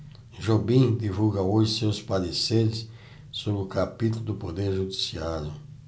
jobim divulga hoje seus pareceres sobre o capítulo do poder judiciário